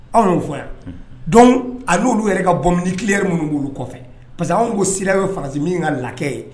Anw'o fɔ yan dɔn a n'olu yɛrɛ ka bɔ ki minnu olu kɔfɛ parce que anw ko sira ye farasi min ka la ye